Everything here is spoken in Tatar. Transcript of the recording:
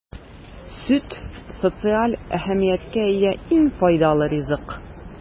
Сөт - социаль әһәмияткә ия иң файдалы ризык.